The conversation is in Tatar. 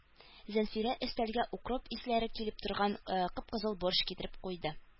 Зәнфирә өстәлгә укроп исләре килеп торган кып-кызыл борщ китереп куйды.